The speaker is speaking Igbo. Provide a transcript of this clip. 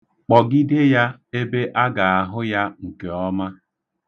kpọgide ya ebe a ga-ahụ ya nke ọma.